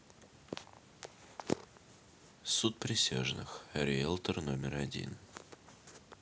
суд присяжных риэлтор номер один